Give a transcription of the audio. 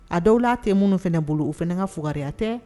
A dɔw'a te minnu fana bolo o fana ka fugya tɛ